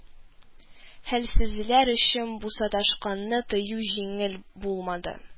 Хәлсезләр өчен бу саташканны тыю җиңел булмады